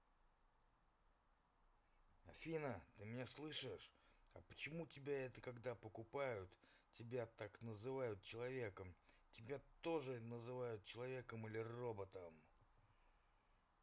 афина ты меня слышишь а почему тебя это когда покупают это тебя называют человеком тебя тоже называют человеком или роботом